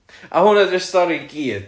A hwnna ydy'r stori i gyd